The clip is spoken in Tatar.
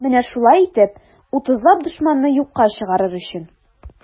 Менә шулай итеп, утызлап дошманны юкка чыгарыр өчен.